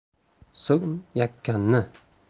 so'ng yakanni